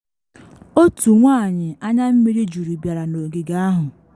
Otu nwanyị anya mmiri juru bịara n’ogige ahụ.